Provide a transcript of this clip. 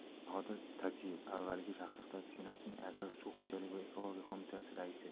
bahodir tajiyev avvalgi chaqiriqdagi senatning agrar suv xo'jaligi va ekologiya qo'mitasi raisi